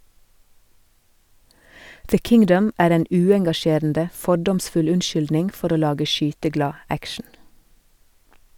"The Kingdom" er en uengasjerende, fordomsfull unnskyldning for å lage skyteglad action.